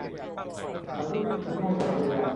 ฉันรู้สึกมีไข้ตลอดเวลา